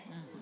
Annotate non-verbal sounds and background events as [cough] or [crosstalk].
[hesitation] [hesitation]